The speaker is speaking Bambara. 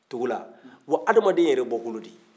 togola bɔ hadamaden yɛrɛ ye bɔkolo de ye